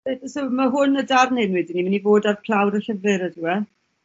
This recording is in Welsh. Reit so ma' hwn y darn 'yn wedyn 'ny myn' i bod ar clawr y llyfyr ydyw e?